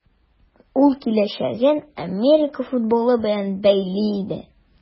Ул киләчәген Америка футболы белән бәйли иде.